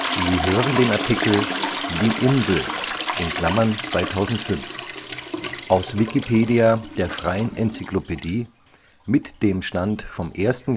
Sie hören den Artikel Die Insel (2005), aus Wikipedia, der freien Enzyklopädie. Mit dem Stand vom Der